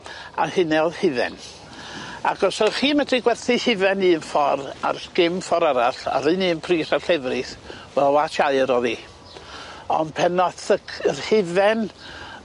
A hynna o'dd hufen. Ac os o'ch chi medru gwerthu hufen un ffor ar sgim ffor arall a'r un un prys a'r llefrith wel watch aur o'dd 'i ond pen ath y c- yr hufen